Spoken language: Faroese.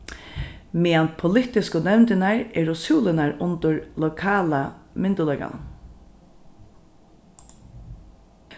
meðan politisku nevndirnar eru súlurnar undir lokala myndugleikanum